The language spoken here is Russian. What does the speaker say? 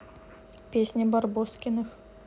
песня барбоскиных